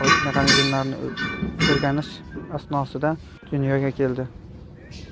mexanizmlarini o'rganish asnosida dunyoga keldi